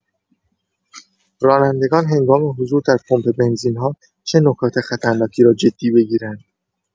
رانندگان هنگام حضور در پمپ بنزین‌ها چه نکات خطرناکی را جدی بگیرند؟